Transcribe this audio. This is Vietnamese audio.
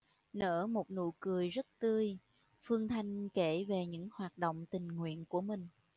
nở một nụ cười rất tươi phương thanh kể về những hoạt động tình nguyện của mình